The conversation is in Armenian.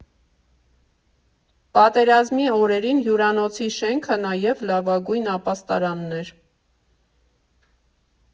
Պատերազմի օրերին հյուրանոցի շենքը նաև լավագույն ապաստարանն էր։